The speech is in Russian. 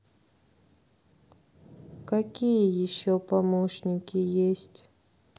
какие еще помощники есть